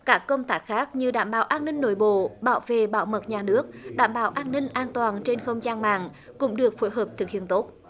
cả công tác khác như đảm bảo an ninh nội bộ bảo vệ bảo mật nhà nước đảm bảo an ninh an toàn trên không gian mạng cũng được phối hợp thực hiện tốt